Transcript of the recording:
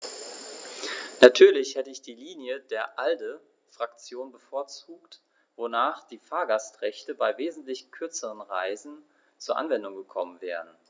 Natürlich hätte ich die Linie der ALDE-Fraktion bevorzugt, wonach die Fahrgastrechte bei wesentlich kürzeren Reisen zur Anwendung gekommen wären.